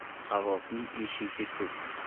savobning eshigi ko'p